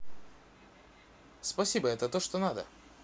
спасибо это то что надо